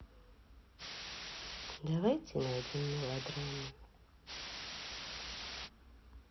давай найдем мелодраму